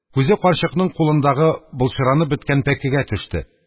. күзе карчыкның кулындагы былчыранып беткән пәкегә төште.